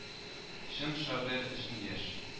Чын шагыйрь өчен яшь